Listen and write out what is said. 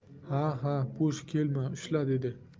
ha ha bo'sh kelma ushla dedi